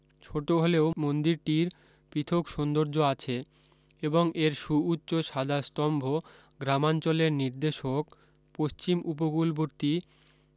ছোট হলেও মন্দিরটির পৃথক সৌন্দর্য আছে এবং এর সুউচ্চ সাদা স্তম্ভ গ্রামাঞ্চলের নির্দেশক পশ্চিম উপকূলবর্তী